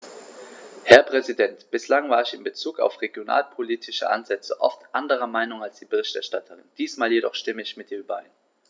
Herr Präsident, bislang war ich in Bezug auf regionalpolitische Ansätze oft anderer Meinung als die Berichterstatterin, diesmal jedoch stimme ich mit ihr überein.